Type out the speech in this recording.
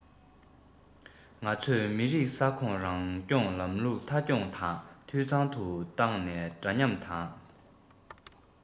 ང ཚོས མི རིགས ས ཁོངས རང སྐྱོང ལམ ལུགས མཐའ འཁྱོངས དང འཐུས ཚང དུ བཏང ནས འདྲ མཉམ དང